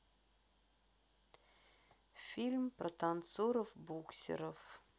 фильм про танцоров буксеров